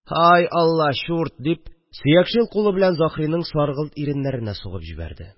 – һай, алла, чурт! – дип сөякчел кулы белән заһриның саргылт иреннәренә сугып җибәрде